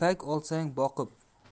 ol ipak olsang boqib